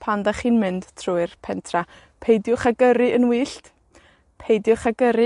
pan 'dach chi'n mynd trwy'r pentra, peidiwch â gyrru yn wyllt, peidiwch â gyrru